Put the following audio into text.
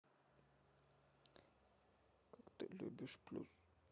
какой ты любишь плюс